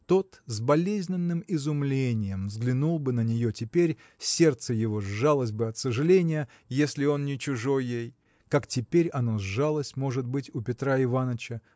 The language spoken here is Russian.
тот с болезненным изумлением взглянул бы на нее теперь сердце его сжалось бы от сожаления если он не чужой ей как теперь оно сжалось может быть у Петра Иваныча